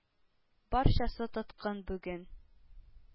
Барчасы тоткын бүген!..